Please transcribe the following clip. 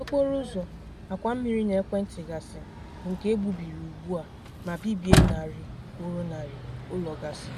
Okporo ụzọ, àkwà mmiri na ekwenti gasị bụ nke e gbubiri ugbu a ma bibie narị kwuru narị ụlọ gasị.